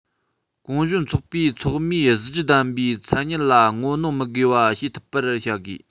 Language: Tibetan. གུང གཞོན ཚོགས པའི ཚོགས མིའི གཟི བརྗིད ལྡན པའི མཚན སྙན ལ ངོ གནོང མི དགོས པ བྱེད ཐུབ པར བྱ དགོས